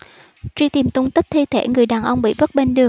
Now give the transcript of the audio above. truy tìm tung tích thi thể người đàn ông bị vứt bên đường